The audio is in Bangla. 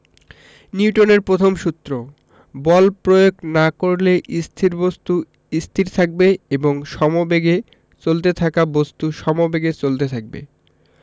নিউটনের প্রথম সূত্র বল প্রয়োগ না করলে স্থির বস্তু স্থির থাকবে এবং সমেবেগে চলতে থাকা বস্তু সমেবেগে চলতে থাকবে